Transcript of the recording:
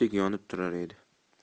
yonib turar edi